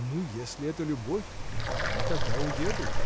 ну, если это любовь — я тогда уеду!